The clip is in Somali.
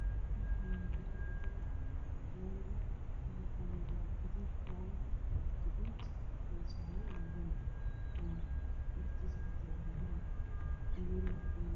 Halkani waa meel laami ah waxaa taagan gaari karin midkii soo gudub iyo jaalo